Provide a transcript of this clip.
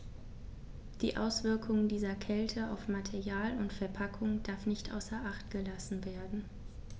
Die Auswirkungen dieser Kälte auf Material und Verpackung darf nicht außer acht gelassen werden.